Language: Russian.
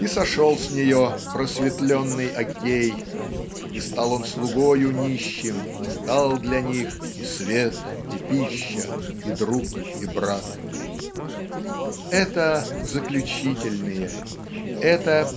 и сошел с нее просветленный Аггей и стал он слугою нищим стал для них "и свет и пища и друг и брат". Это заключительные, это